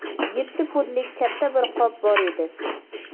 yetti pudlik katta bir qop bor edi